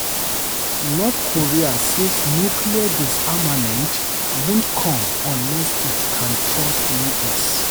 North Korea says nuclear disarmament won't come unless it can trust US